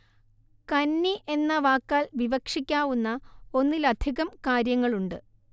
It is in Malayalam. കന്നി എന്ന വാക്കാല്‍ വിവക്ഷിക്കാവുന്ന ഒന്നിലധികം കാര്യങ്ങളുണ്ട്